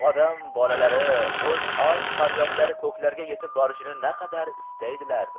odam bolalari o'z oh faryodlari ko'klarga yetib borishini naqadar istaydilar